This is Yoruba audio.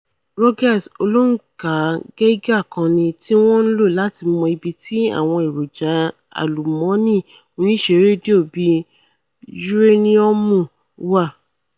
Rogers: ''Olóǹkà Geiger kan ni, tíwọn ńlò latí mọ ibi ti àwọn èròja àlùmọ́ọ̀nì oníṣẹ́rédíò, bíi yureniọmu wà.